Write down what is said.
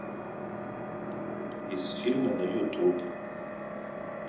из фильма на ютуб